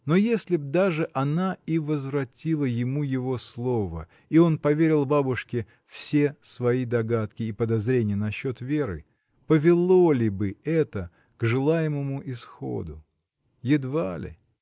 Но если б даже она и возвратила ему его слово и он поверил бабушке все свои догадки и подозрения насчет Веры, повело ли бы это к желаемому исходу? Едва ли.